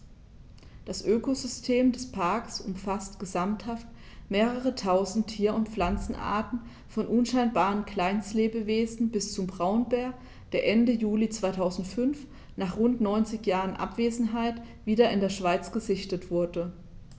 Das Ökosystem des Parks umfasst gesamthaft mehrere tausend Tier- und Pflanzenarten, von unscheinbaren Kleinstlebewesen bis zum Braunbär, der Ende Juli 2005, nach rund 90 Jahren Abwesenheit, wieder in der Schweiz gesichtet wurde.